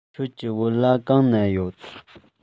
ཁྱོད ཀྱི བོད ལྭ གང ན ཡོད